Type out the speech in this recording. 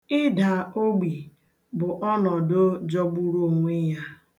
Ịda ogbi bụ ọnọdụ jọgburu onwe ya.